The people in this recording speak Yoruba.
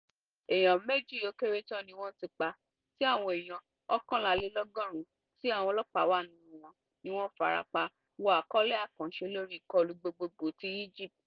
Èèyàn méjì ó kéré tàn ní wọ́n ti pa tí àwọn èèyàn 111 - tí àwọn ọlọ́pàá wà nínú wọn - ní wọ́n farapa (Wo àkọọ́lẹ̀ àkànṣe wa lórí Ìkọlù Gbogboogbò ti Egypt).